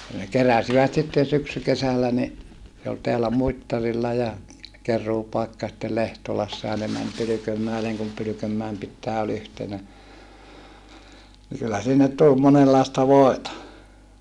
- ne keräsivät sitten syksykesällä niin se oli täällä Muittarilla ja keruupaikka ja sitten Lehtolassa ja ne meni Pylkönmäelle kun Pylkönmäen pitäjä oli yhtenä niin kyllä sinne tuli monenlaista voita